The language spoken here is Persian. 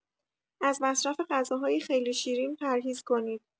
از مصرف غذاهای خیلی شیرین پرهیز کنید.